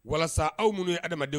Walasa aw minnuu ye adamadamadenw